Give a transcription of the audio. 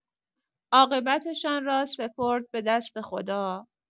عاقبتشان را سپرد به دست خدا.